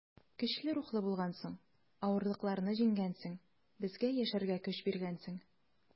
Көчле рухлы булгансың, авырлыкларны җиңгәнсең, безгә яшәргә көч биргәнсең.